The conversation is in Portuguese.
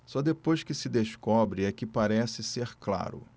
só depois que se descobre é que parece ser claro